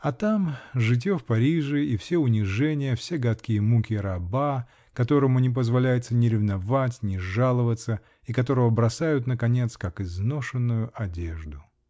А там -- житье в Париже и все унижения, все гадкие муки раба, которому не позволяется ни ревновать, ни жаловаться и которого бросают наконец, как изношенную одежду.